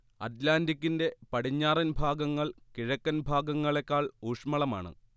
അറ്റ്ലാന്റിക്കിന്റെ പടിഞ്ഞാറൻ ഭാഗങ്ങൾ കിഴക്കൻ ഭാഗങ്ങളേക്കാൾ ഊഷ്മളമാണ്